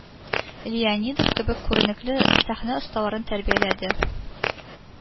Леонидов кебек күренекле сәхнә осталарын тәрбияләде